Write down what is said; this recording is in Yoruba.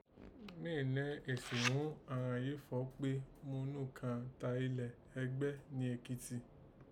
Méè nẹ́ èsìí mú ghún ìghàn yí fọ̀ọ́ kpé mo nù kàn tà ilẹ̀ ẹgbẹ́ ni Èkìtì